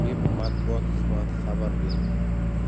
mib matbuot xizmati xabar berdi